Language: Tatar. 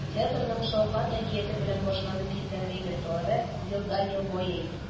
Театрның “Шалкан” әкияте белән башланып киткән репертуары елдан-ел байый.